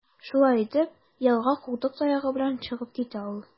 Шулай итеп, ялга култык таягы белән чыгып китә ул.